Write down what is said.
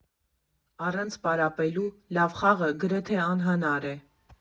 Առանց պարապելու լավ խաղը գրեթե անհնար է.